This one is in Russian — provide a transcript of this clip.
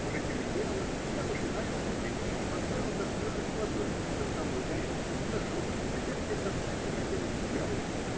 Уже темнело, и я машинально, по привычке, поставил кастрюлю с водой на спиртовую горелку и зажег, хотя мне совсем не хотелось чаю.